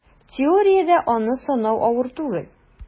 Теориядә аны санау авыр түгел: